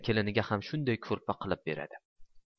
keliniga ham shunday ko'rpa qilib beradi